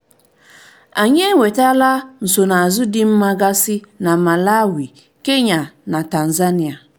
PG: Anyị enwetala nsonazụ dị mma gasị na Malawi, Kenya na Tazania.